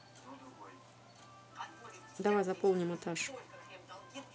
давай заполним этаж